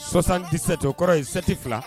Sɔsan kisɛtekɔrɔ in seliti fila